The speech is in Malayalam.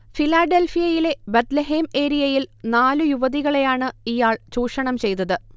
ഫിലാഡൽഫിയയിലെ ബത്ലഹേം ഏരിയയിൽ നാലു യുവതികളെയാണ് ഇയാൾ ചൂഷണം ചെയ്തത്